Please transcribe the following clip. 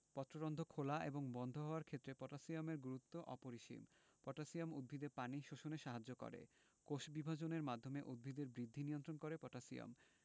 পত্ররন্ধ্র খেলা এবং বন্ধ হওয়ার ক্ষেত্রে পটাশিয়ামের গুরুত্ব অপরিসীম পটাশিয়াম উদ্ভিদে পানি শোষণে সাহায্য করে কোষবিভাজনের মাধ্যমে উদ্ভিদের বৃদ্ধি নিয়ন্ত্রণ করে পটাশিয়াম